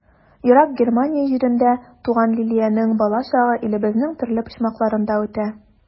Ерак Германия җирендә туган Лилиянең балачагы илебезнең төрле почмакларында үтә.